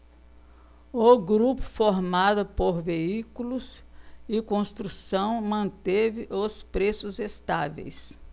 o grupo formado por veículos e construção manteve os preços estáveis